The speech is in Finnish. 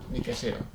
mikä se on